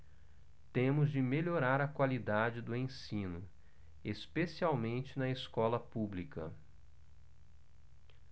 temos de melhorar a qualidade do ensino especialmente na escola pública